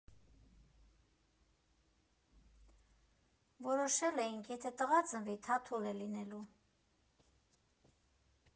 Որոշել էինք՝ եթե տղա ծնվի, Թաթուլ է լինելու։